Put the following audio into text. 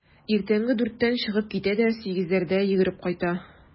Иртәнге дүрттән чыгып китә дә сигезләрдә йөгереп кайта.